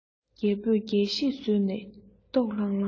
རྒྱལ པོ རྒྱལ གཞིས ཟོས ནས ལྟོགས ལྷང ལྷང